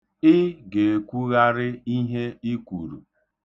Ị ga-ekwugharị ihe i kwuru.